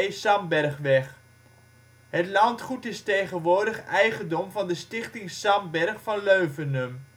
Sandbergweg. Het landgoed is tegenwoordig eigendom van de Stichting Sandberg van Leuvenum